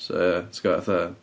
So ia, ti gwbod fatha...